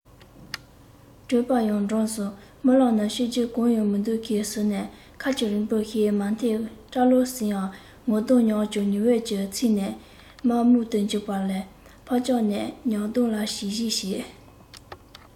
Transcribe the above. གྲོད པ ཡང འགྲངས སོང རྨི ལམ ནི སྐྱིད རྒྱུ གང ཡང མི འདུག ཁའི ཟུར ནས ཁ ཆུ རིང པོ ཞིག མར འཐེན སྐྲ ལོ ཟིང བ ངོ གདོང ཀྱང ཉི འོད ཀྱིས ཚིག ནས དམར ནག ཏུ གྱུར ལག པ ཕར བརྐྱངས ནས ཉལ གདོང ལ བྱིལ བྱིལ བྱེད